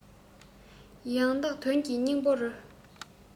ཡང དག དོན གྱི སྙིང པོ རུ